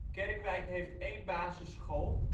Kerkwijk heeft één basisschool